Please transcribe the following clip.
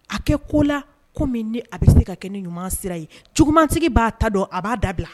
A kɛ ko la, ko min bɛ se ka kɛ ni ɲuman sira ye jugumantigi b'a ta dɔn a b'a dabila.